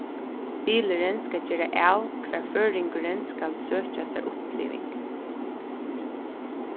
bilurin skal gera av hvar føroyingurin skal søkja sær uppliving